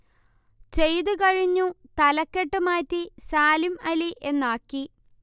ചെയ്തു കഴിഞ്ഞു തലക്കെട്ട് മാറ്റി സാലിം അലി എന്നാക്കി